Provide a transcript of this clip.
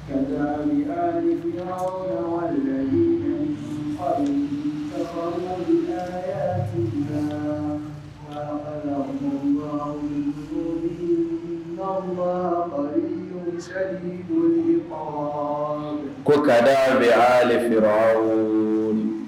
Ko ka daminɛ bɛ alefɛ